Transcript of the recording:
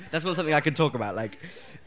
That's not something I can talk about, like.